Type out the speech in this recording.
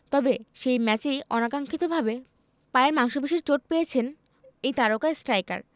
তবে সেই ম্যাচেই অনাকাঙ্ক্ষিতভাবে পায়ের মাংসপেশির চোট পেয়েছেন এই তারকা স্ট্রাইকার